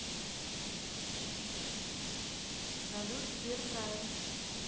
салют сбер прайм